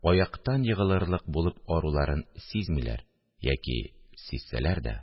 Аяктан егылырлык булып аруларын сизмиләр яки, сизсәләр дә